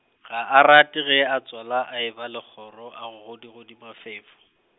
ga a rate ge a tswala a eba le kgoro a godi godi Mafefo.